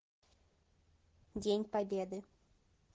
день победы